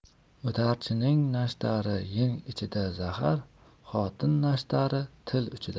o'tarchining nashtari yeng ichida zahar xotin nashtari til uchida